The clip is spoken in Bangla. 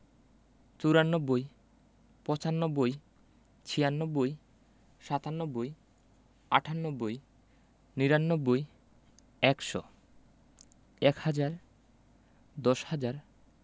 ৯৪ – চুরানব্বই ৯৫ - পচানব্বই ৯৬ - ছিয়ানব্বই ৯৭ – সাতানব্বই ৯৮ - আটানব্বই ৯৯ - নিরানব্বই ১০০ – একশো ১০০০ – এক হাজার ১০০০০ দশ হাজার